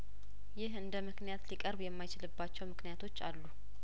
ይህ እንደምክንያት ሊቀርብ የማይችል ባቸውምክንያቶች አሉ